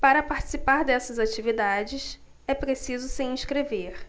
para participar dessas atividades é preciso se inscrever